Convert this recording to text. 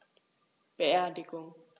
Beerdigung